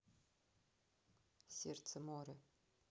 сердце моря